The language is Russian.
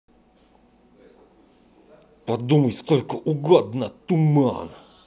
подумай сколько угодно туман